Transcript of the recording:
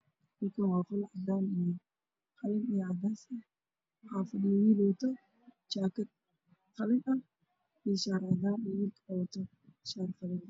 Meeshaan waxaa fadhiya inuu wato sud dambas ah iyo shaata caddeysa oo dad horfadhiya oo u qudbeynayo la hadlay